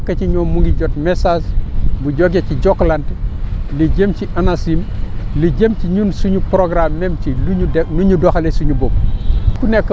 tey ku nekk ci ñoom mu ngi jot message bu joooge ci Jokalante lu jëm ci ANACIM lu jëm ci ñun suñu programme même ci lu ñu doxalee suñu bopp